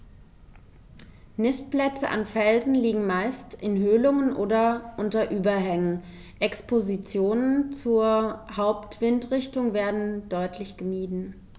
Nistplätze an Felsen liegen meist in Höhlungen oder unter Überhängen, Expositionen zur Hauptwindrichtung werden deutlich gemieden.